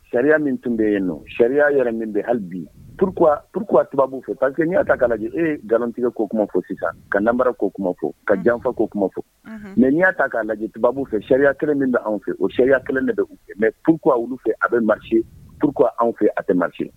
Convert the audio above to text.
Sariya min tun bɛ yen nɔ sariya yɛrɛ min bɛ hali bi pur purku tubu fɛ pa que yyaa ta ka' lajɛ e garantigɛ ko'o kuma fo sisan ka nara ko'o kuma fɔ ka janfa k'o kuma fɔ mɛ ɲɛa ta k'a lajɛ tu fɛ sariya kelen min bɛ an fɛ o sariya kɛlen bɛ mɛ pur olu fɛ a bɛ marise purku anw fɛ a bɛ marise